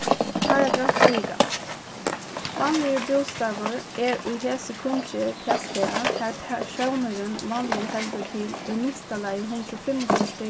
paragraf fýra vanligur bústaður er í hesi kunngerð tað stað har persónurin vanliga heldur til í minsta lagi hundrað og fimmogfýrs